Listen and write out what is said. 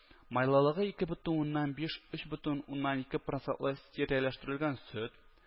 Майлылыгы ике бөтен уннан биш - өч бөтен уннан ике процентлы стериалештерелгән сөт